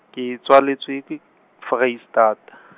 ke tswaletswe ki-, Foreisetata.